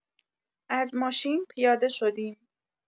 از ماشین پیاده شدیم.